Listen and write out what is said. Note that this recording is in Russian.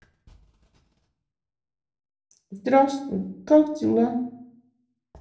здравствуй как дела